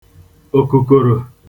òkùkòrò